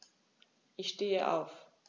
Ich stehe auf.